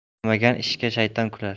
ishlanmagan ishga shayton kular